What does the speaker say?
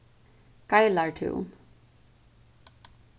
geilartún